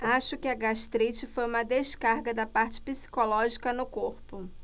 acho que a gastrite foi uma descarga da parte psicológica no corpo